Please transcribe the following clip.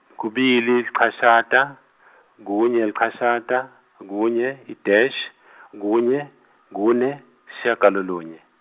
kubili sicashata kunye lichashata kunye idash kunye kune shiyagalolunye.